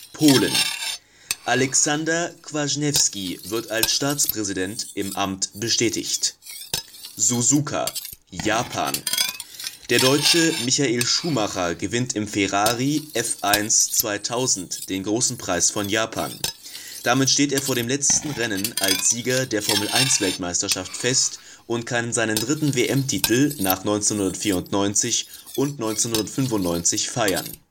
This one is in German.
Polen: Aleksander Kwaśniewski wird als Staatspräsident im Amt bestätigt. Suzuka/Japan: Der Deutsche Michael Schuhmacher gewinnt im Ferrari F1-2000 den Großen Preis von Japan. Damit steht er vor dem letzten Rennen als Sieger der Formel-1-Weltmeisterschaft fest und kann seinen dritten WM-Titel nach 1994 und 1995 feiern